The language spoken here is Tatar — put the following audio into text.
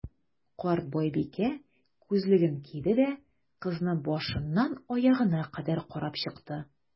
Карт байбикә, күзлеген киде дә, кызны башыннан аягына кадәр карап чыкты.